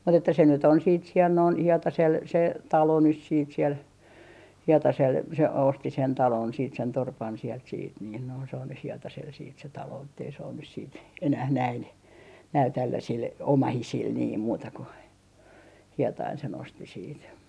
mutta että se nyt on sitten siellä noin Hietasella se talo nyt sitten siellä Hietasella se osti sen talon sitten sen torpan sieltä sitten niin noin se on nyt Hietasella sitten se talo että ei se ole nyt sitten enää näin näillä tällaisilla omaisilla niin muuta kuin Hietanen sen osti siitä